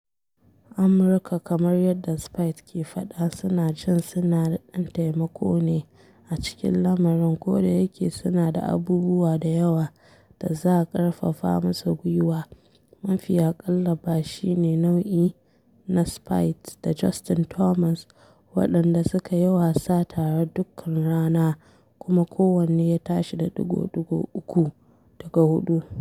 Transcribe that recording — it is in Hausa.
Amurkawa, kamar yadda Spieth ke faɗa, suna jin suna da ɗan taimako ne a cikin lamarin kodayake suna da abubuwa da yawa da za ƙarfafa musu gwiwa, mafi aƙalla ba shi ne nau’i na Spieth da Justin Thomas waɗanda suka yi wasa tare dukkan rana kuma kowanne ya tashi da ɗigo-ɗigo uku daga huɗu.